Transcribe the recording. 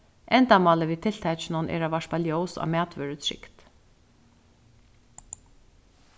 endamálið við tiltakinum er at varpa ljós á matvørutrygd